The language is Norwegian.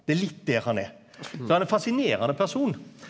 det er litt der han er så han er fasinerande person.